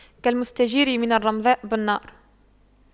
كالمستجير من الرمضاء بالنار